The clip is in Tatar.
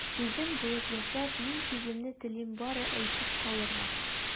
Үзем булып яшәп, мин сүземне телим бары әйтеп калырга...